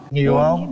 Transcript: nhiều hông